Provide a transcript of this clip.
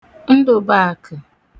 Ndụ̀bụ̀àkə̣̀